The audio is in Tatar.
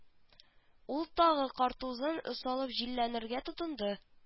Ул тагы картузын салып җилләнергә тотынды